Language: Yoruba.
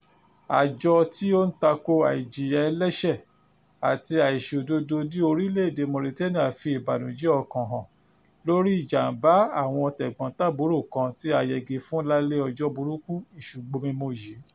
Àjọ tí ó ń tako àìjìyà ẹlẹ́ṣẹ̀ àti àìṣòdodo ní orílẹ̀-èdè Mauritania fi ìbànújẹ́ ọkàn hàn lórí ìjàm̀bá àwọn tẹ̀gbọ́n-tàbúrò kan tí a yẹgi fún lálẹ́ ọjọ́ burúkú Èṣù gbomi mu yìí: